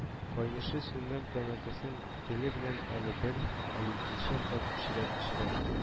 Каенише, сүнгән тәмәкесен теле белән әле бер, әле икенче якка күчерә-күчерә